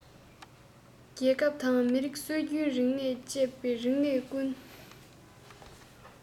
རྒྱལ ཁབ དང མི རིགས སྲོལ རྒྱུན རིག གནས དང བཅས པའི རིག གནས ཀུན